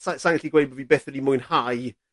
sai sai'n gallu gweud bo' fi byth wedi mwynhau